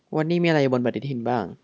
วันนี้มีอะไรอยู่บนปฎิทินบ้าง